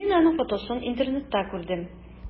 Мин аның фотосын интернетта күрдем.